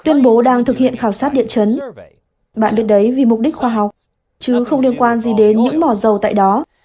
tuyên bố đang thực hiện khảo sát địa chấn bạn biết đấy vì mục đích khoa học chứ không liên quan gì đến những mỏ dầu tại đó